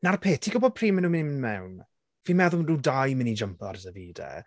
Na'r peth, ti'n gwybod pryd mae nhw'n mynd i mewn? Fi'n meddwl ma' nhw dau yn mynd i jympio ar y Davide.